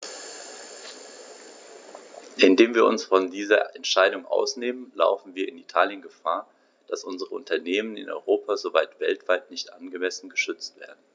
Indem wir uns von dieser Entscheidung ausnehmen, laufen wir in Italien Gefahr, dass unsere Unternehmen in Europa sowie weltweit nicht angemessen geschützt werden.